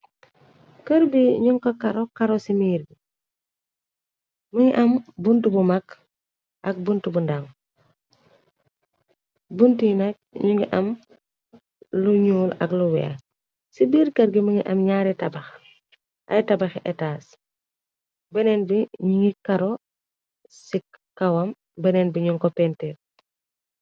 kër bi ñu ko karo karo ci miir bi mi ngi am buntu bu mag ak bunt bu ndam buntunek ñu ngi am lu ñuul ak lu wee ci biir kër gi mi ngi am ñaare tabax ay tabaxe etaas beneen bi ñu ngi karo ci kawam beneen bi ñun ko pentir.